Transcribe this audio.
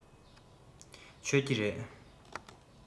མཆོད ཀྱི རེད